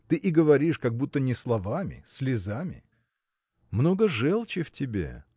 ты и говоришь как будто не словами, а слезами. Много желчи в тебе